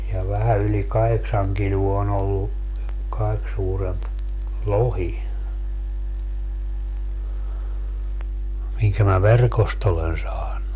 ja vähän yli kahdeksan kiloa on ollut kaikkein suurempi lohi minkä minä verkosta olen saanut